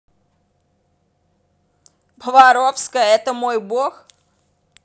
поваровская это мой бог